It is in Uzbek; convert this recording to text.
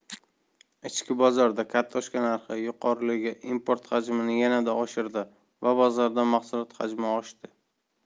ichki bozorda kartoshka narxi yuqoriligi import hajmini yanada oshirdi va bozorda mahsulot hajmi oshdi